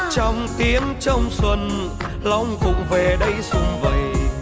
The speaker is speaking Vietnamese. trong tiếng trong xuân long phụng về đây xum vầy